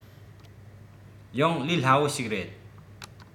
ཡང ལས སླ བོ ཞིག རེད